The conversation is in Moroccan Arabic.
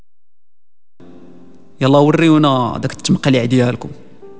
يلا ورينا دياركم